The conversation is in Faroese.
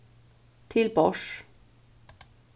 til borðs